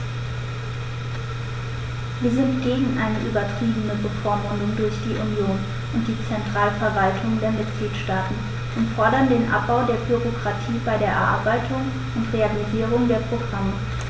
Wir sind gegen eine übertriebene Bevormundung durch die Union und die Zentralverwaltungen der Mitgliedstaaten und fordern den Abbau der Bürokratie bei der Erarbeitung und Realisierung der Programme.